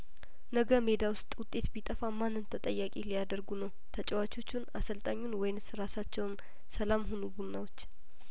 ነገ ሜዳ ውስጥ ውጤት ቢጠፋ ማንን ተጠያቂ ሊያደርጉ ነው ተጫዋቾቹን አሰልጣኙን ወይን ስራሳቸውን ሰላም ሁኑ ቡናዎች